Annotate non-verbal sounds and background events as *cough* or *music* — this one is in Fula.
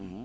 *hesitation* *hesitation*